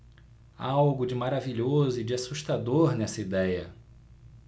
há algo de maravilhoso e de assustador nessa idéia